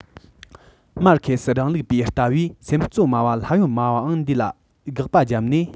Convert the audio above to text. མར ཁེ སི རིང ལུགས པའི ལྟ བས སེམས གཙོ སྨྲ བ ལྷ ཡོད སྨྲ བའང འདུས ལ དགག པ བརྒྱབ ནས